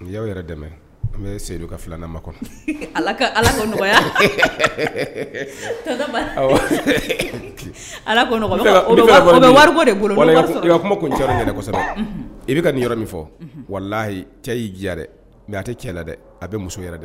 N y' yɛrɛ dɛmɛ an bɛ seyidu ka filan ma kɔnɔ nɔgɔyaa cɛ kosɔ i bɛ ka nin yɔrɔ min fɔ walahi cɛ y'i mɛ a tɛ cɛ la dɛ a bɛ muso yɛrɛ dɛ